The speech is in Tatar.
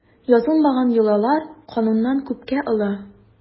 Язылмаган йолалар кануннан күпкә олы.